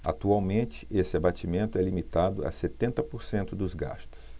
atualmente esse abatimento é limitado a setenta por cento dos gastos